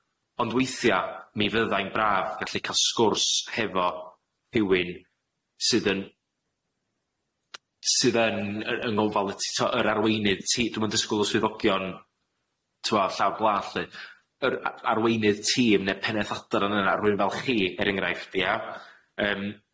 Ond weithia', mi fydda'i'n braf gallu ca'l sgwrs hefo rhywun sydd yn sydd yn yy yng ngofal y t- t'o' yr arweinydd ti-, dw'm yn disgwl y swyddogion t'mo' ar llawr gwlad' lly, yr a- arweinydd tîm, ne' pennaeth adran yna, rywun fel chi er enghraifft, ia? Yym.